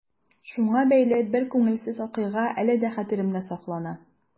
Шуңа бәйле бер күңелсез вакыйга әле дә хәтеремдә саклана.